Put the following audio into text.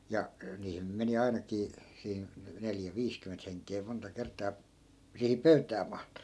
ja niihin nyt meni ainakin siinä neljä viisikymmentä henkeä monta kertaa siihen pöytään mahtui